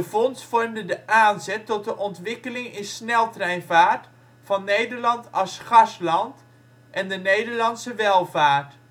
vondst vormde de aanzet tot de ontwikkeling in sneltreinvaart van Nederland als gasland en de Nederlandse welvaart